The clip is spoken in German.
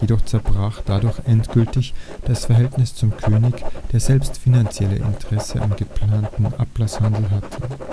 Jedoch zerbrach dadurch endgültig das Verhältnis zum König, der selbst finanzielle Interessen am geplanten Ablasshandel hatte